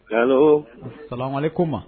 Kalan kalan ko ma